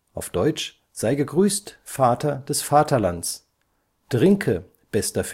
lat. „ Sei gegrüßt, Vater des Vaterlands! Trinke, bester